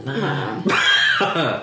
Na... Na...